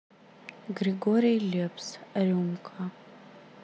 григорий лепс рюмка